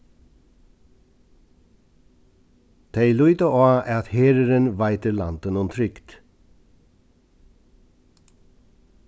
tey líta á at herurin veitir landinum trygd